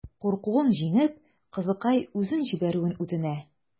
Куркуын җиңеп, кызыкай үзен җибәрүен үтенә.